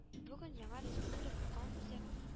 Бүген яңа Республика кан үзәг